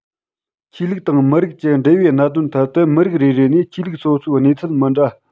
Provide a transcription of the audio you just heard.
ཆོས ལུགས དང མི རིགས ཀྱི འབྲེལ བའི གནད དོན ཐད དུ མི རིགས རེ རེ དང ཆོས ལུགས སོ སོའི གནས ཚུལ མི འདྲ